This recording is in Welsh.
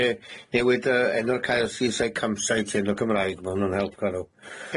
e newid yy enw'r cae'l syth a'i campsite hyn o Gymraeg ma' hwnnw'n helpu nhw.